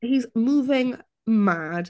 He's moving mad.